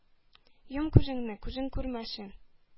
Йом күзеңне, күзең күрмәсен!